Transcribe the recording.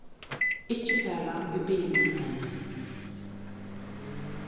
ikki fara í bilin enn